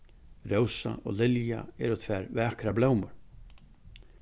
rósa og lilja eru tvær vakrar blómur